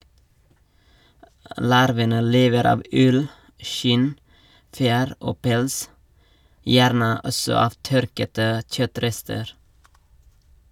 Larvene lever av ull , skinn , fjær og pels, gjerne også av tørkete kjøttrester.